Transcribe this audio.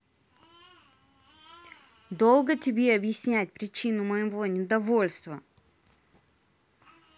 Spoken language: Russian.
долго тебе объяснять причину моего недовольства